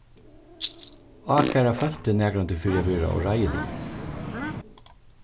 ákæra fólk teg nakrantíð fyri at vera óreiðiligur